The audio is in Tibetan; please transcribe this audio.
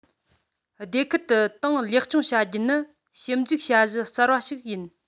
སྡེ ཁུལ དུ ཏང ལེགས སྐྱོང བྱ རྒྱུ ནི ཞིབ འཇུག བྱ གཞི གསར པ ཞིག ཡིན